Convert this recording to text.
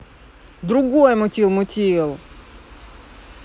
другой мутил мутил